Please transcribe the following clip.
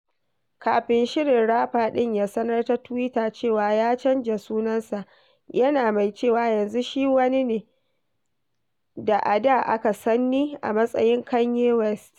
Kafin shirin, rapper ɗin ya sanar ta Twitter cewa ya canza sunansa, yana mai cewa yanzu shi "wani ne da a da aka san ni a matsayin Kanye West."